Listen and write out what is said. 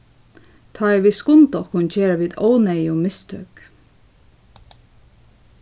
tá ið vit skunda okkum gera vit óneyðug mistøk